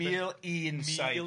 Mil un saith.